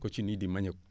cochenille du manioc